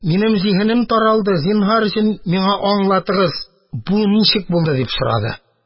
Минем зиһенем таралды, зинһар өчен, миңа аңлатыгыз: бу ничек булды? – дип сорады.